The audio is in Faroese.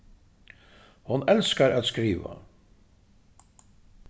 hon elskar at skriva